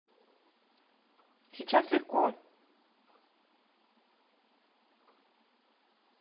сейчас легко